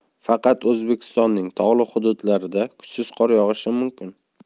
faqat o'zbekistonning tog'li hududlarida kuchsiz qor yog'ishi mumkin